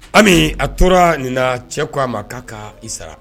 Hali a tora nin na cɛ ko a ma k'a ka i sara